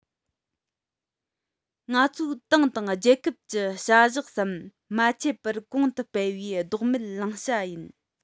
ང ཚོའི ཏང དང རྒྱལ ཁབ ཀྱི བྱ གཞག ཟམ མ ཆད པར གོང དུ སྤེལ བའི ལྡོག མེད བླང བྱ ཡིན